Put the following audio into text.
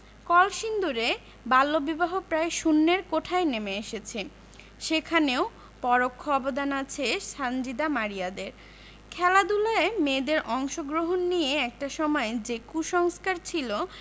কলসিন্দুরে বাল্যবিবাহ প্রায় শূন্যের কোঠায় নেমে এসেছে সেখানেও পরোক্ষ অবদান আছে সানজিদা মারিয়াদের খেলাধুলায় মেয়েদের অংশগ্রহণ নিয়ে একটা সময় যে কুসংস্কার ছিল